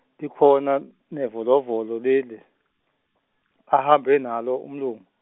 likhona n- nevolovolo leli, ahambe nalo umlungu.